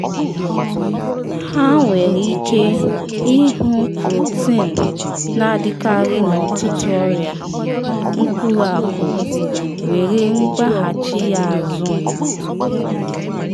Ha nwere ike ‘ịhụ’ protin na-adịkarị n’ọtụtụ ọrịa mkpụrụ akụ, were gbaghachi ya azụ